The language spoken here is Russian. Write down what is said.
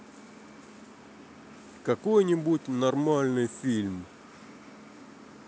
какой нибудь нормальный фильм